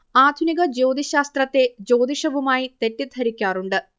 ആധുനിക ജ്യോതിശ്ശാസ്ത്രത്തെ ജ്യോതിഷവുമായി തെറ്റിദ്ധരിക്കാറുണ്ട്